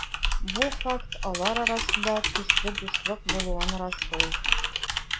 Бу факт алар арасында көчле дуслык булуын раслый.